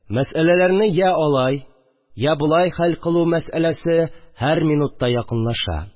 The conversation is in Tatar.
Мәсьәләләрне йә алай, йә болай хәл кылу мәсьәләсе һәр минутта якынлаша.